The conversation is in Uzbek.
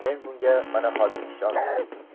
men bunga mana hozir ishondim